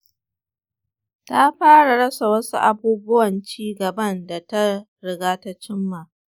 ta fara rasa wasu abubuwan ci gaban da ta riga ta cimma.